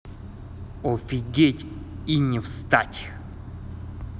офигеть и не встать